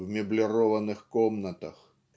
в меблированных комнатах"